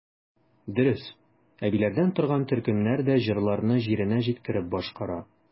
Дөрес, әбиләрдән торган төркемнәр дә җырларны җиренә җиткереп башкара.